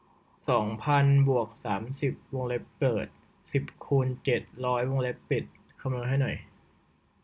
สองพันบวกสามสิบวงเล็บเปิดสิบคูณเจ็ดร้อยวงเล็บปิดคำนวณให้หน่อย